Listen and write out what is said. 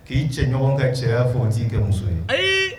K'i cɛ ɲɔgɔn kan cɛ y'a fɔ n t'i kɛ muso ye ayi